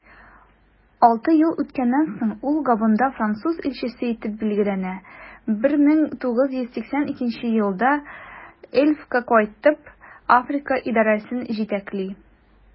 Алты ел үткәннән соң, ул Габонда француз илчесе итеп билгеләнә, 1982 елда Elf'ка кайтып, Африка идарәсен җитәкли.